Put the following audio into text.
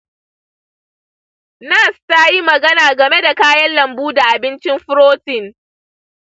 nas ta yi magana game da kayan lambu da abincin furotin.